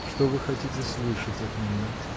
-- Что вы хотите слышать от меня?